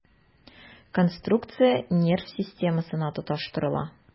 Конструкция нерв системасына тоташтырыла.